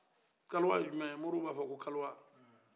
kaliwa ye jumɛ ye moriw bɛ a fɔ ko kaliwa